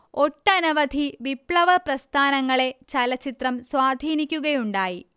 ഒട്ടനവധി വിപ്ലവ പ്രസ്ഥാനങ്ങളെ ചലച്ചിത്രം സ്വാധീനിക്കുകയുണ്ടായി